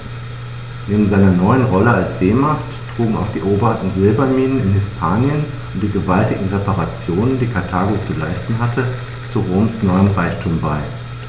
Neben seiner neuen Rolle als Seemacht trugen auch die eroberten Silberminen in Hispanien und die gewaltigen Reparationen, die Karthago zu leisten hatte, zu Roms neuem Reichtum bei.